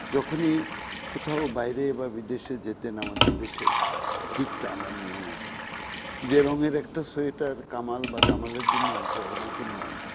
যখনই কোথাও বাইরে বা বিদেশে যেতেন আমাদের দেশে গিফট আনার নিয়ম আছে যে রঙের একটা সোয়েটার কামাল বা জামালের জন্য আনতেন আমার জন্য ও আনতেন